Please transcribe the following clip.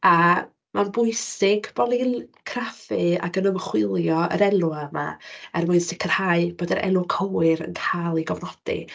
A ma'n bwysig bod ni'n craffu ac yn ymchwilio yr enwau yma er mwyn sicrhau bod yr enw cywir yn cael ei gofnodi.